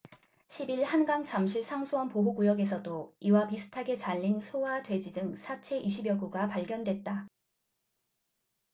십 일 한강 잠실 상수원 보호구역에서도 이와 비슷하게 잘린 소와 돼지 등 사체 이십 여 구가 발견됐다